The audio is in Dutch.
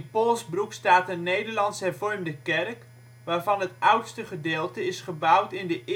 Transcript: Polsbroek staat een Nederlands-hervormde kerk waarvan het oudste gedeelte is gebouwd in de